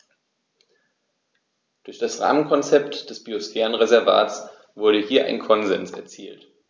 Durch das Rahmenkonzept des Biosphärenreservates wurde hier ein Konsens erzielt.